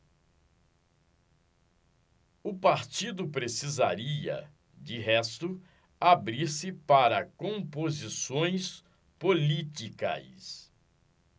o partido precisaria de resto abrir-se para composições políticas